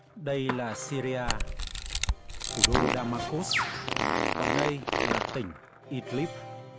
đây là sia ri a thủ đô đa ma cốt còn đây là tỉnh i tờ líp